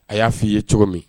A y'a f'i ye cogo min